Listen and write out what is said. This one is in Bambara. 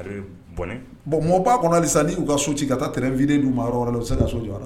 Bɔn mɔba kɔnɔ la sisan n''u ka so ci ka taa tfirin don maa yɔrɔ la u se ka so jɔyara la